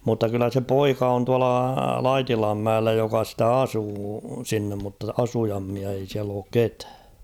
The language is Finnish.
mutta kyllä se poika on tuolla Laitilanmäellä joka sitä asuu sinne mutta asujaimia ei siellä ole ketään